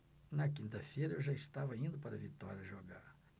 na quinta-feira eu já estava indo para vitória jogar